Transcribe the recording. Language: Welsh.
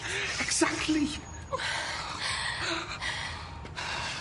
Exactly.